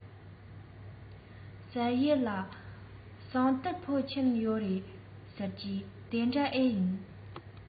ཟེར ཡས ལ ཟངས གཏེར འཕོན ཆེན ཡོད རེད ཟེར གྱིས དེ འདྲ ཨེ ཡིན